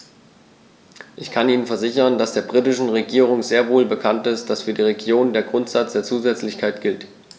Ich kann Ihnen versichern, dass der britischen Regierung sehr wohl bekannt ist, dass für die Regionen der Grundsatz der Zusätzlichkeit gilt.